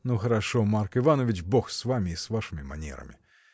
— Ну хорошо, Марк Иванович, Бог с вами и с вашими манерами!